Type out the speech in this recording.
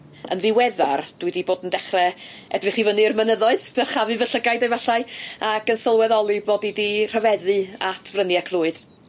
Yn ddiweddar dwi 'di bod yn dechre edrych i fyny i'r mynyddoedd dyrchafu fy llygaid efallai ac yn sylweddoli bo' fi 'di rhyfeddu at frynie Clwyd.